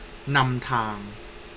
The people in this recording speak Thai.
นำทาง